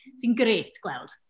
Sy'n grêt gweld.